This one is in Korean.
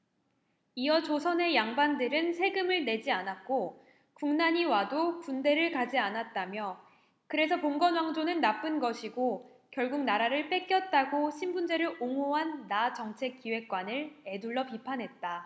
이어 조선의 양반들은 세금을 내지 않았고 국난이 와도 군대를 가지 않았다며 그래서 봉건왕조는 나쁜 것이고 결국 나라를 뺏겼다고 신분제를 옹호한 나 정책기획관을 에둘러 비판했다